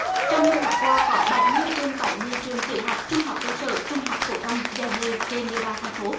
trong năm học qua có bảy mươi trên bảy mươi trường tiểu học trung học cơ sở trung học phổ thông dạy nghề trên địa bàn thành phố